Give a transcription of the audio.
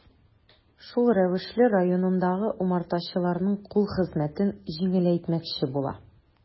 Шул рәвешле районындагы умартачыларның кул хезмәтен җиңеләйтмәкче була.